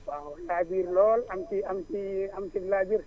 waaw laabiir lool am ci am ci am ci laabiir